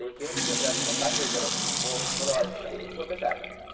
lekin chehrasini qandaydir mo'min muloyim qilib ko'rsatardi